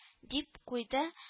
—дип куйды